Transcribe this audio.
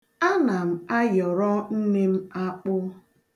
Ana m a yọrọ nne m akpụ.